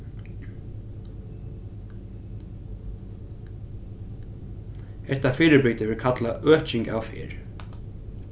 hetta fyribrigdið verður kallað øking av ferð